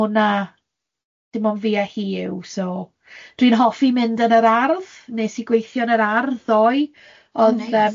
hwnna dim ond fi a hi yw, so dwi'n hoffi mynd yn yr ardd, wnes i gweithio yn yr ardd ddoe... O neis